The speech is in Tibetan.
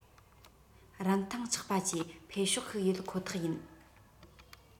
རིན ཐང ཆག པ ཀྱི འཕེལ ཕྱོགས ཤིག ཡོད ཁོ ཐག ཡིན